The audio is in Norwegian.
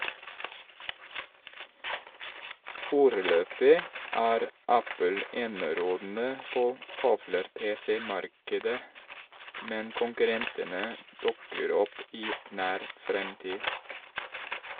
Foreløpig er Apple enerådende på tavle-pc-markedet , men konkurrentene dukker opp i nær fremtid.